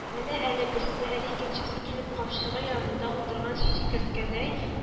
Менә әле берсе, әле икенчесе килеп, капчыгы янында утырган чикерткәдәй